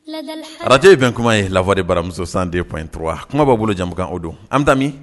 Arajo ye bɛn kuma ye _voix de baramuso 102.3 kuma b'a bolo jamukan o don an bɛ taa min